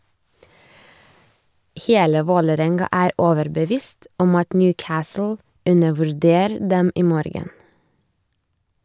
Hele Vålerenga er overbevist om at Newcastle undervurder dem i morgen.